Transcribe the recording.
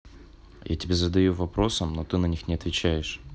я тебе задаю вопросом но ты на них не отвечаешь